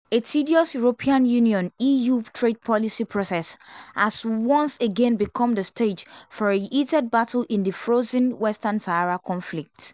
A tedious European Union (EU) trade policy process has once again become the stage for a heated battle in the “frozen” Western Sahara conflict.